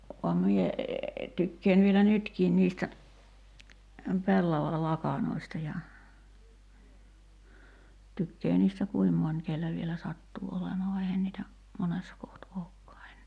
vaan minä tykkään vielä nytkin niistä pellavalakanoista ja tykkää niistä kuinka moni kenellä vielä sattuu olemaan vaan eihän niitä monessa kohti olekaan enää